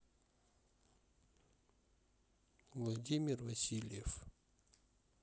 владимир васильев